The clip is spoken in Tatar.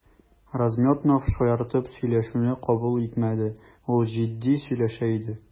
Размётнов шаяртып сөйләшүне кабул итмәде, ул җитди сөйләшә иде.